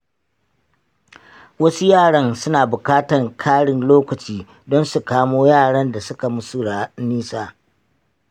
wasu yaran suna bukatan karin lokaci don su kamo yaran da suka musu nisa.